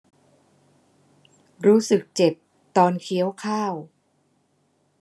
รู้สึกเจ็บตอนเคี้ยวข้าว